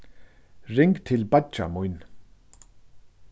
ring til beiggja mín